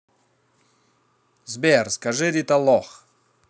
сбер скажи рита лох